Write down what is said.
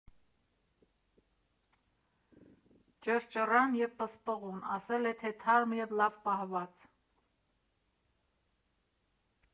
Ճռճռան և պսպղուն, ասել է թե՝ թարմ և լավ պահված։